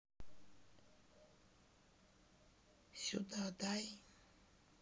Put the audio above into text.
сюда дай